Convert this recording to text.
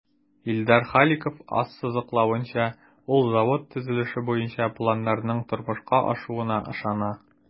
Илдар Халиков ассызыклавынча, ул завод төзелеше буенча планнарның тормышка ашуына ышана.